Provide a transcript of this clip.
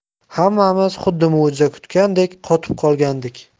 hammamiz xuddi mo'jiza kutgandek qotib qolgandik